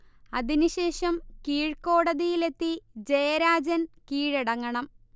അതിന് ശേഷം കീഴ്കോടതിയിൽ എത്തി ജയരാജൻ കീഴടങ്ങണം